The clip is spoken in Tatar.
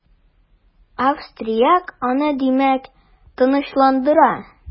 Австрияк аны димәк, тынычландыра.